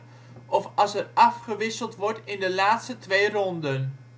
de laatste twee ronden